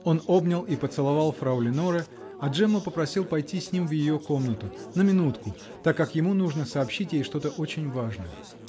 Он обнял и поцеловал фрау Леноре, а Джемму попросил пойти с ним в ее комнату -- на минутку, так как ему нужно сообщить ей что-то очень важное.